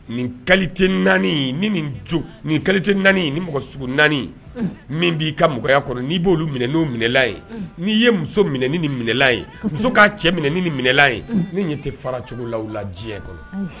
Nin qualité 4 in ni nin jo nin qualité 4 nin ni mɔgɔ sugu 4 in unh min b'i ka mɔgɔya kɔnɔ n'i b'olu minɛ n'o minɛlan ye unhun n'i ye muso minɛ ni nin minɛlan ye kosɛbɛ muso k'a cɛ minɛ ni nin minɛlan ye unhun ne ɲɛ tɛ fara cogo l'aw la diɲɛ kɔnɔ unh